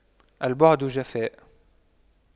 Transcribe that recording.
البعد جفاء